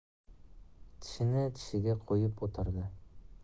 tishini tishiga qo'yib o'tirdi